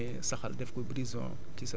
euphorbia ay salaan yi